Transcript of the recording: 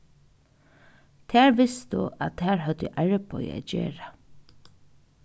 tær vistu at tær høvdu arbeiði at gera